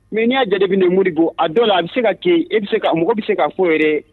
Min n y'a jatebe de mudi bɔ a dɔ la a bɛ se ka kɛ e bɛ se ka mɔgɔ bɛ se ka foyio ye